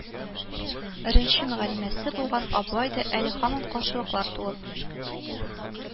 Ренче мөгаллимәсе булган аблай да әле һаман каршылыклар туып